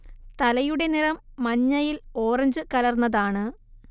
തലയുടെ നിറം മഞ്ഞയിൽ ഓറഞ്ച് കലർന്നതാണ്